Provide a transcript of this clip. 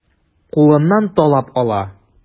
Кулыннан талап ала.